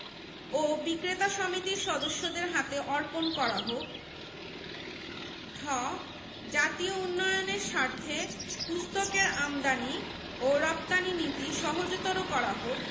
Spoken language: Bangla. ও বিক্রেতা সমিতির সদস্যদের হাতে অর্পণ করা হোক ঠ জাতীয় উন্নয়নের স্বার্থে পুস্তকের আমদানী ও রপ্তানী নীতি সহজতর করা হোক